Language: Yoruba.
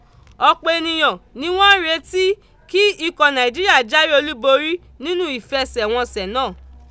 Ọ̀pọ̀ ènìyàn ni wọ́n ń retí kí ikọ̀ Nàìjíríà jáwé olúborí nínú ìfẹsẹ̀wọnsẹ̀ náà.